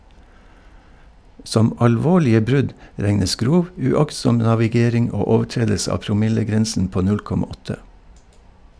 Som alvorlige brudd regnes grov, uaktsom navigering og overtredelse av promillegrensen på 0,8.